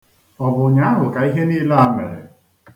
Ọ bụ ụnyaahụ ka ihe niile a mere?